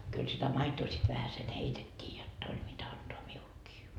kyllä sitä maitoa sitten vähäsen heitettiin jotta oli mitä antaa minullekin